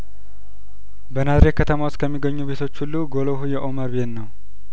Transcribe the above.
በናዝሬት ከተማ ውስጥ ከሚገኙ ቤቶች ሁሉ ጉልሁ የኡመር ቤት ነው